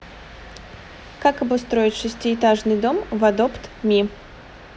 как обустроить шестиэтажный дом в adopt me